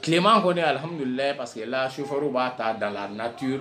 Tilema kɔni alilhamdulilahi parce que là chauffeur u b'a ta dans la nature